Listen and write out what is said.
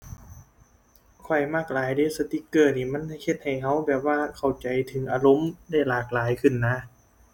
ข้อยมักหลายเดะสติกเกอร์นี่มันเฮ็ดให้เราแบบว่าเข้าใจถึงอารมณ์ได้หลากหลายขึ้นนะ